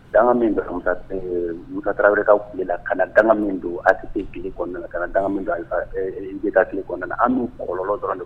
Dan min don uu ka tarawele wɛrɛkawla ka na dan min don a tɛ g kɔnɔna kana min don g kɔnɔna an minnu kɔrɔ dɔrɔn de